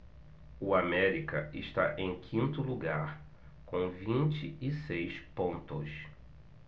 o américa está em quinto lugar com vinte e seis pontos